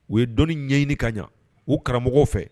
U ye dɔnnii ɲɛɲini ka ɲɛ u karamɔgɔ fɛ